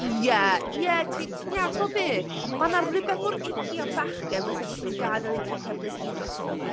Ie, ie ti ti'n iawn, tibod be? Ma' 'na rywbeth mor icky am bachgen fyse jyst yn gadel i ti cymryd gyd drosto fe.